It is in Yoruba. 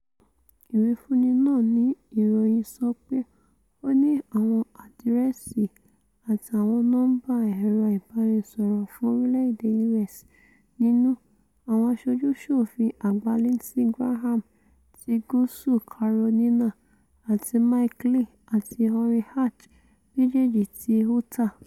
Ìwífúnni náà ni ìròyìn sọ pé ó ní àwọn àdírẹ́sì àti àwọn nọmba ẹẹrọ ìbànisϙrϙ fún orílẹ̀-èdè U.S. nínú. Àwọn aṣojú-ṣòfin àgbà Lindsey Graham ti Gúúsú Carolina, àti Mike Lee àti Orrin Hatch, méjèèjì ti Utah.